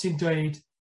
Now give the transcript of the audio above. sy'n dweud